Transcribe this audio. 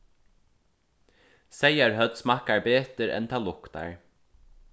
seyðarhøvd smakkar betur enn tað luktar